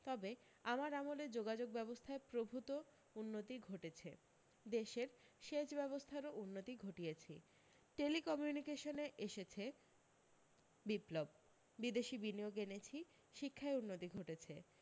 তবে আমার আমলে যোগাযোগ ব্যবস্থায় প্রভূত উন্নতি ঘটেছে দেশের সেচ ব্যবস্থারও উন্নতি ঘটিয়েছি টেলি কমিউনিকেশনে এসেছে বিপ্লব বিদেশি বিনিয়োগ এনেছি শিক্ষায় উন্নতি ঘটেছে